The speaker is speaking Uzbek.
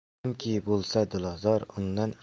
kimki bo'lsa dilozor undan